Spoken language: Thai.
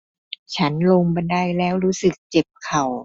ฉันลงบันไดแล้วรู้สึกเจ็บเข่า